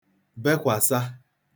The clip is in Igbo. bekwasa